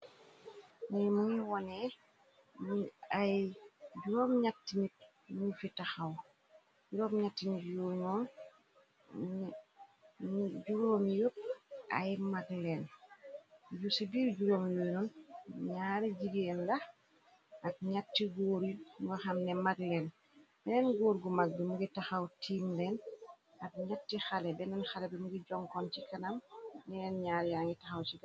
Liu ma ngi wone om atti u fiwrom ñatti ñit juróomyi yópp ay mag leen yu ci biir juróom yunoon ñaari jigéen la ak ñatti guur ngo xam ne mag leen beneen góur gu mag bi mngi taxaw tiim leen ak ñatti xale benneen xale bi mngi jonkon ci kanam ñeneen ñaar yaa ngi taxaw cigt.